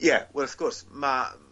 Ie wel wrth gwrs ma'